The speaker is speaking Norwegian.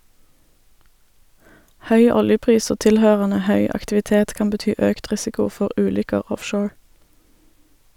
Høy oljepris og tilhørende høy aktivitet kan bety økt risiko for ulykker offshore.